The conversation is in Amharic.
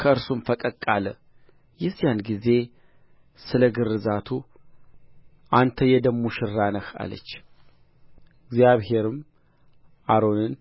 ከእርሱም ፈቀቅ አለ የዚያን ጊዜ ስለ ግርዛቱ አንተ የደም ሙሽራ ነህ አለች እግዚአብሔርም አሮንን